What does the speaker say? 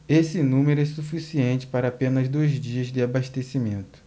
esse número é suficiente para apenas dois dias de abastecimento